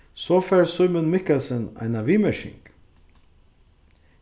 so fær símun mikkelsen eina viðmerking